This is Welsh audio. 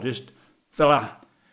Jyst - fel 'na!